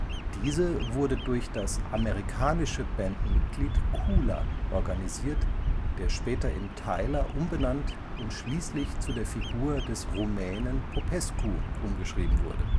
Diese wurde durch das amerikanische Bandenmitglied Cooler organisiert (der später in Tyler umbenannt und schließlich zu der Figur des Rumänen Popescu umgeschrieben wurde